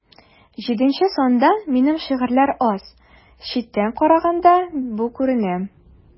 Җиденче санда минем шигырьләр аз, читтән караганда бу күренә.